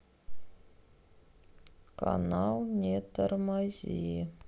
канал не тормози